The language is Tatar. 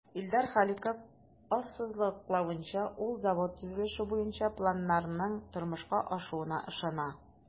Илдар Халиков ассызыклавынча, ул завод төзелеше буенча планнарның тормышка ашуына ышана.